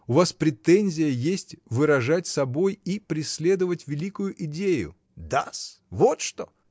У вас претензия есть выражать собой и преследовать великую идею! — Да-с, вот что!